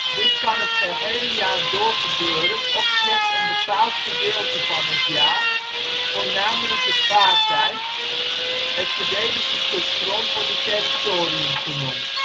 Dit kan het gehele jaar door gebeuren of slechts een bepaald gedeelte van het jaar, voornamelijk de paartijd. Het verdedigde stuk grond wordt het territorium genoemd